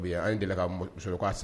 U an deli ka sokɛ san